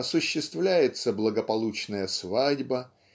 осуществляется благополучная свадьба